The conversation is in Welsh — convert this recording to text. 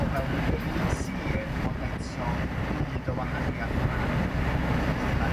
o fewn yr un sir ond eto byd o wahania'th a ran y gymdeithas